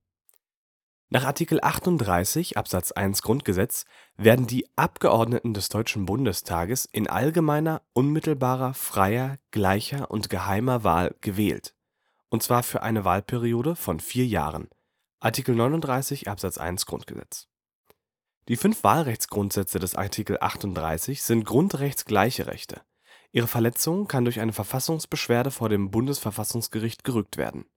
Nach Art. 38 Abs. 1 GG werden „ die Abgeordneten des Deutschen Bundestages […] in allgemeiner, unmittelbarer, freier, gleicher und geheimer Wahl gewählt “, und zwar für eine Wahlperiode von vier Jahren, Art. 39 Abs. 1 GG. Die fünf Wahlrechtsgrundsätze des Artikel 38 sind grundrechtsgleiche Rechte: Ihre Verletzung kann durch eine Verfassungsbeschwerde vor dem Bundesverfassungsgericht gerügt werden